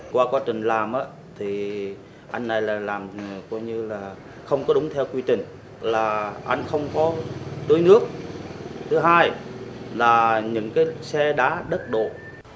qua quá trình làm thì anh này là làm coi như là không có đúng theo quy trình là anh không có tưới nước thứ hai là những cái xe đá đất đổ